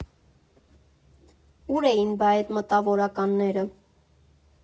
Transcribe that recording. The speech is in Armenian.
Ու՞ր էին բա էդ մտավորականները։